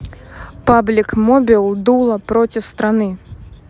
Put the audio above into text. public mobile дула против страны